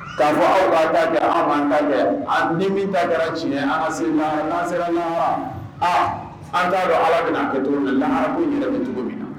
Karamɔgɔa fɔ aw b'a da kɛ an b'an ta kɛ a ni min ta kɛra tiɲɛ an sera an sera ɲɔgɔn aa an t'a dɔn ala bɛnaa kɛ to la a b'o yɛrɛ don cogo min na